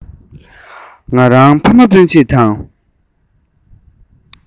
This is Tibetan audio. ང རང ཕ མ སྤུན ཆེད དང